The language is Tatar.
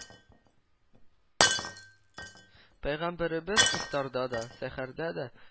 Пәйгамбәребез ифтарда да, сәхәрдә дә